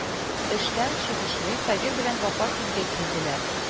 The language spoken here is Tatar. Эштән чыгышлый, Сабир белән Вафа сүзгә килделәр: